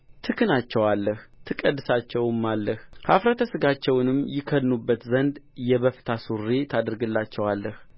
ትክናቸዋለህ ትቀድሳቸውማለህ ኀፍረተ ሥጋቸውንም ይከድኑበት ዘንድ የበፍታ ሱሪ ታደርግላቸዋለህ